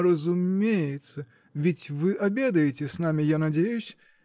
-- Разумеется; ведь вы обедаете с нами, я надеюсь.